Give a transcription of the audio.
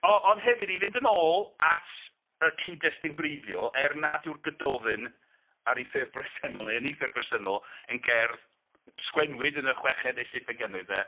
O- ond hefyd i fynd yn ôl at y cyd-destun gwreiddiol, er nad yw'r Gododdin ar ei ffurf bresennol, neu yn eu ffurf presennol yn gerdd sgwennwyd yn y chweched neu seithfed ganrif de.